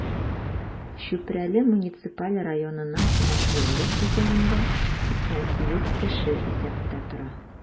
Чүпрәле муниципаль районының мәшгульлек үзәгендә 88 кеше исәптә тора.